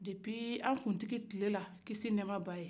kabini an kuntigi tile la kisi ni nɛma b'a ye